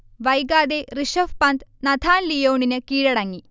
വൈകാതെ ഋഷഭ് പന്ത് നഥാൻ ലിയോണിന് കീഴടങ്ങി